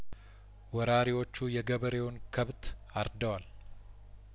ወራሪዎቹ የገበሬውን ከብት አርደዋል